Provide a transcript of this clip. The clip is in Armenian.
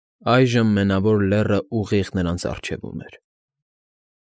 Այժմ Մենավոր Լեռը ուղիղ նրանց առջևում էր։